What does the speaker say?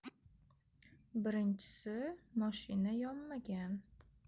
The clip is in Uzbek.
birinchisi moshina yonmagan